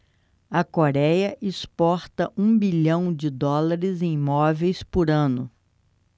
a coréia exporta um bilhão de dólares em móveis por ano